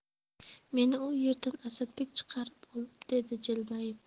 meni u yerdan asadbek chiqarib oldi dedi jilmayib